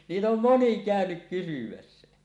niitä on moni käynyt kysymässä